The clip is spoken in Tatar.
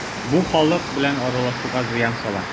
Бу халык белән аралашуга зыян сала.